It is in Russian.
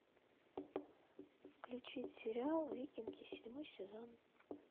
включить сериал викинги седьмой сезон